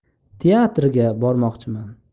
teatrga bormoqchiman